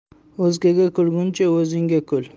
o'zgaga kulguncha o'zingga kul